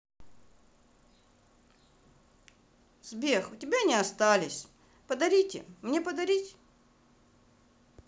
сбер у тебя не остались подарите мне подарить